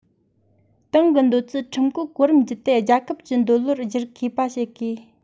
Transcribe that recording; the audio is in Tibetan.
ཏང གི འདོད ཚུལ ཁྲིམས བཀོད གོ རིམ བརྒྱུད དེ རྒྱལ ཁབ ཀྱི འདོད བློར སྒྱུར མཁས པོ བྱ དགོས